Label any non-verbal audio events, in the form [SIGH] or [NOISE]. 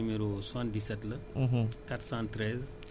donc [HESITATION] man sama numéro 77 la